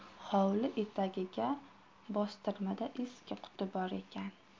hovli etagidagi bostirmada eski quti bor ekan